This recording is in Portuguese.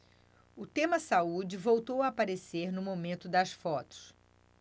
o tema saúde voltou a aparecer no momento das fotos